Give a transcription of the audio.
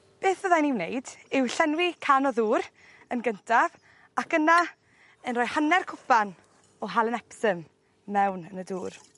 Beth fyddai'n 'i wneud yw llenwi can o ddŵr yn gyntaf ac yna yn rhoi hanner cwpan o halen epsom mewn yn y dŵr